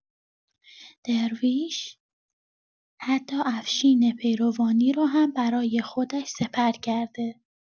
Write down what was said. درویش حتی افشین پیروانی رو هم برای خودش سپر کرده!